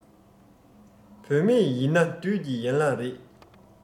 བུད མེད ཡིན ན བདུད ཀྱི ཡན ལག རེད